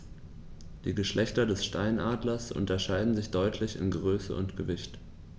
Die Geschlechter des Steinadlers unterscheiden sich deutlich in Größe und Gewicht.